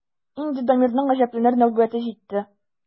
Инде Дамирның гаҗәпләнер нәүбәте җитте.